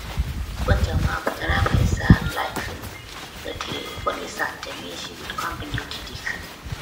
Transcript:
ควรจะมาพัฒนาภาคอีสานหลายขึ้น เพื่อที่คนอีสานจะมีชีวิตความเป็นอยู่ที่ดีขึ้น